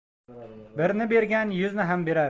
birni bergan yuzni ham berar